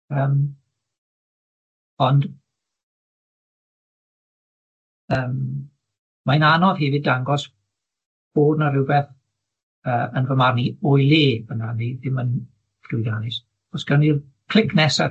yym ond yym mae'n anodd hefyd dangos bod 'na rwbeth yy yn fy marn i o'i le yna neu ddim yn llwyddiannus, os gawn ni'r clic nesa...